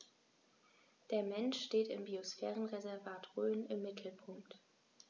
Der Mensch steht im Biosphärenreservat Rhön im Mittelpunkt.